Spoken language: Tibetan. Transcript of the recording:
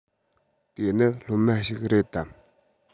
དེ ནི སློབ མ ཞིག རེད དམ